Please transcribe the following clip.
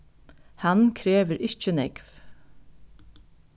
hann krevur ikki nógv